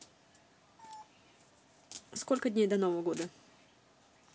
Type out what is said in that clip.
сколько дней до нового года